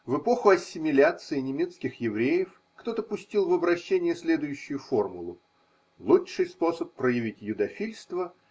В эпоху ассимиляции немецких евреев кто-то пустил в обращение следующую формулу: лучший способ проявить юдофильство.